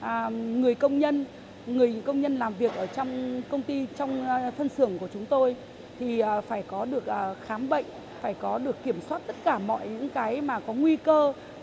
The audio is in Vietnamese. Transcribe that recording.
à người công nhân người công nhân làm việc ở trong công ty trong phân xưởng của chúng tôi thì phải có được ờ khám bệnh phải có được kiểm soát tất cả mọi những cái mà có nguy cơ